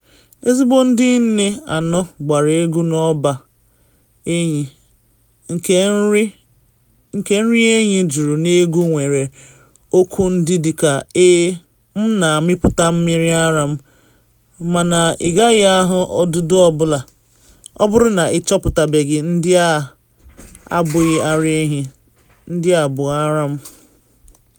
Ezigbo ndị nne anọ gbara egwu n’ọba ehi nke nri ehi juru n’egwu nwere okwu ndị dị ka: “Ee, m na amịpụta mmiri ara m, mana ị gaghị ahụ ọdụdụ ọ bụla ”Ọ bụrụ na ị chọpụtabeghị ndị a abụghị ara ehi, ndị a bụ ara m.”